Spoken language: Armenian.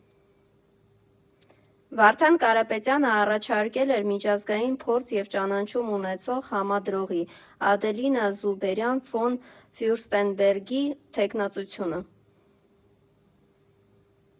Վարդան Կարապետյանը առաջարկել էր միջազգային փորձ և ճանաչում ունեցող համադրողի՝ Ադելինա Ջուբերյան ֆոն Ֆյուրստենբերգի թեկնածությունը։